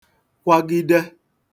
kwagide